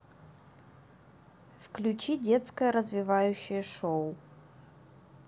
включи детское развивающее шоу